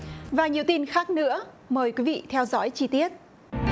và nhiều tin khác nữa mời quý vị theo dõi chi tiết